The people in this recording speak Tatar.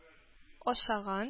Ашаган